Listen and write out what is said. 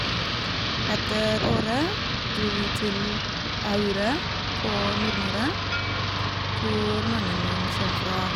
Etter Åre dro vi til Aure på Nordmøre, hvor mannen min kjem fra.